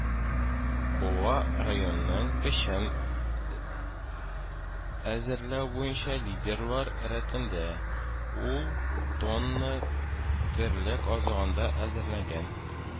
Буа районы печән әзерләү буенча лидерлар рәтендә, ул тонна терлек азыганда әзерләгән